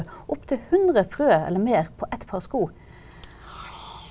opptil 100 frø eller mer på ett par sko.